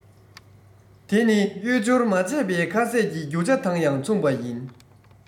དེ ནི གཡོས སྦྱོར མ བྱས པའི ཁ ཟས ཀྱི རྒྱུ ཆ དང ཡང མཚུངས པ ཡིན